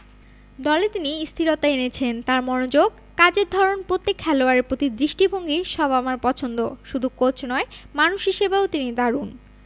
দলে তিনি স্থিরতা এনেছেন তাঁর মনোযোগ কাজের ধরন প্রত্যেক খেলোয়াড়ের প্রতি দৃষ্টিভঙ্গি সব আমার পছন্দ শুধু কোচ নয় মানুষ হিসেবেও তিনি দারুণ